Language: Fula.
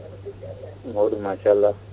mawɗum machallah